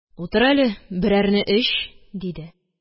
– утыр әле, берәрне эч! – диде...